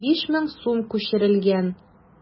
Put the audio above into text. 5000 сум күчерелгән.